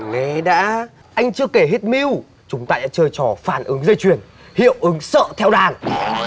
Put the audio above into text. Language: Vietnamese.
nghe đã anh chưa kể hết mưu chúng ta sẽ chơi trò phản ứng dây chuyền hiệu ứng sợ theo đàn